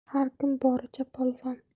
har kim boricha polvon